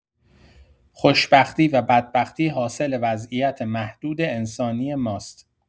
خوشبختی و بدبختی حاصل وضعیت محدود انسانی ماست.